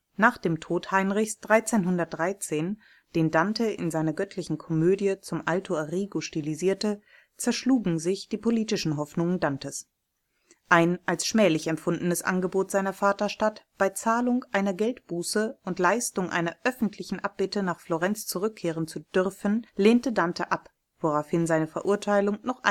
Nach dem Tod Heinrichs (1313), den er in seiner Göttlichen Komödie zum alto Arrigo stilisierte, zerschlugen sich die politischen Hoffnungen Dantes. Ein als schmählich empfundenes Angebot seiner Vaterstadt, bei Zahlung einer Geldbuße und Leistung einer öffentlichen Abbitte nach Florenz zurückkehren zu dürfen, lehnte Dante ab, woraufhin seine Verurteilung noch